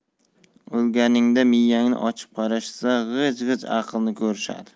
o'lganingda miyangni ochib qarashsa g'ij g'ij aqlni ko'rishadi